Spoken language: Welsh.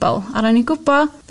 bobol a ro'n i'n gwbo